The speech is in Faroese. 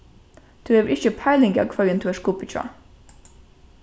tú hevur ikki peiling av hvørjum tú ert gubbi hjá